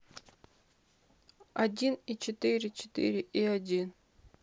один и четыре четыре и один